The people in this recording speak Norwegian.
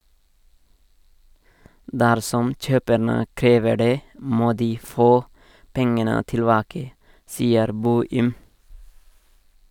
- Dersom kjøperne krever det, må de få pengene tilbake, sier Boym.